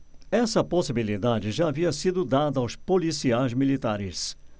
essa possibilidade já havia sido dada aos policiais militares